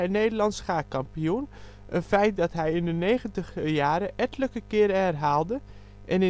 Nederlands schaakkampioen, een feit dat hij in de negentiger jaren ettelijke keren herhaalde en